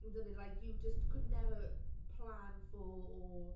Yn dydyn like you just could never plan for or...